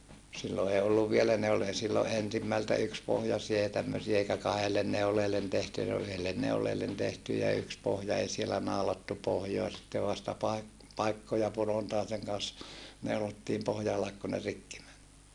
silloin ei ollut vielä ne oli - silloin ensimmältä yksipohjaisia ja tämmöisiä eikä kahdelle neuleelle tehtyjä se oli yhdelle neuleelle tehty ja yksi pohja ei siellä naulattu pohjaa sitten vasta - paikkoja punontaisen kanssa neulottiin pohjan ale kun ne rikki meni